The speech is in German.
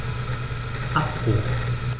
Abbruch.